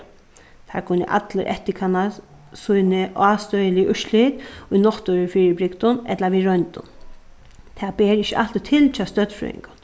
teir kunnu allir eftirkanna síni ástøðiligu úrslit í náttúrufyribrigdum ella við royndum tað ber ikki altíð til hjá støddfrøðingum